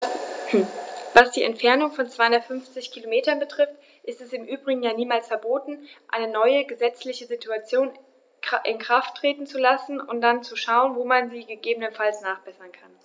Was die Entfernung von 250 Kilometern betrifft, ist es im Übrigen ja niemals verboten, eine neue gesetzliche Situation in Kraft treten zu lassen und dann zu schauen, wo man sie gegebenenfalls nachbessern kann.